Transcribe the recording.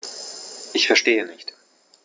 Ich verstehe nicht.